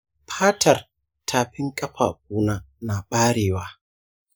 fatar tafin ƙafafuna na barewa.